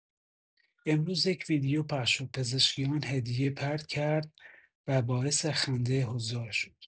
امروز یک ویدیو پخش شد پزشکیان هدیه پرت کرد و باعث خنده حضار شد.